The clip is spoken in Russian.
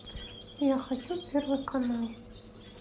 я хочу первый канал